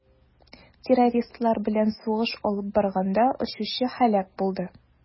Террористлар белән сугыш алып барганда очучы һәлак булды.